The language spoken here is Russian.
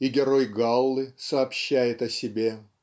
И герой "Галлы" сообщает о себе: .